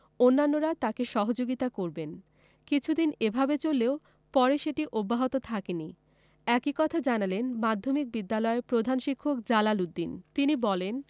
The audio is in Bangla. অন্যরা তাঁকে সহযোগিতা করবেন কিছুদিন এভাবে চললেও পরে সেটি অব্যাহত থাকেনি একই কথা জানালেন মাধ্যমিক বিদ্যালয়ের প্রধান শিক্ষক জালাল উদ্দিন তিনি বলেন